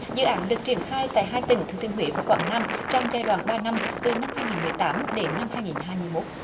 dự án được triển khai tại hai tỉnh thừa thiên huế và quảng nam trong giai đoạn ba năm từ năm hai nghìn mười tám đến năm hai nghìn hai mươi mốt